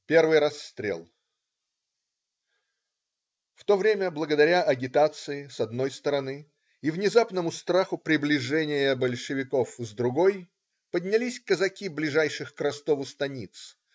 Первый расстрел В то время, благодаря агитации, с одной стороны, и внезапному страху приближения большевиков - с другой, поднялись казаки ближайших к Ростову станиц.